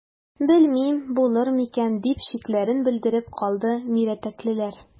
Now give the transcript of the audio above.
Белмим, булыр микән,– дип шикләрен белдереп калды мирәтәклеләр.